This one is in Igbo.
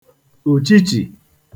ùchichì